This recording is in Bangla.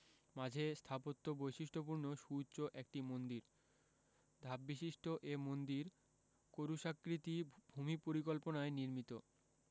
মাঝে স্থাপত্য বৈশিষ্ট্যপূর্ণ সুউচ্চ একটি মন্দির ধাপবিশিষ্ট এ মন্দির ক্রুশাকৃতি ভূমিপরিকল্পনায় নির্মিত